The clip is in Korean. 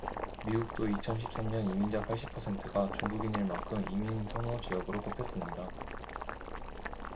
미국도 이천 십 삼 년 이민자 팔십 퍼센트가 중국인일 만큼 이민 선호 지역으로 꼽혔습니다